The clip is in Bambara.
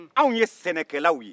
anw ye sɛnɛkɛlaw ye